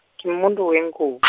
ngimumuntu wengu- .